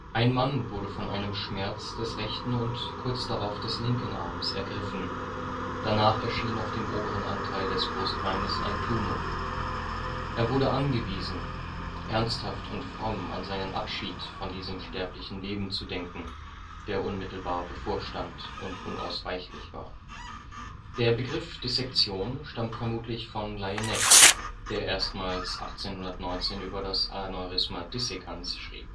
Ein Mann... wurde von einem Schmerz des rechten und kurz darauf des linken Armes ergriffen,... danach erschien auf dem oberen Anteil des Brustbeines ein Tumor.... Er wurde angewiesen, ernsthaft und fromm an seinen Abschied von diesem sterblichen Leben zu denken, der unmittelbar bevorstand und unausweichlich war. (Übersetzung nach) Der Begriff Dissektion stammt vermutlich von Laënnec, der erstmals 1819 über das „ Aneurysma dissecans “schrieb